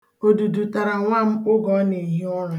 Odudu tara nwa m oge ọ na-ehi ụra